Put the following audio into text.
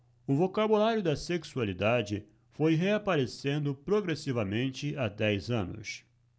o vocabulário da sexualidade foi reaparecendo progressivamente há dez anos